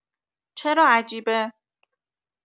چرا عجیبه؟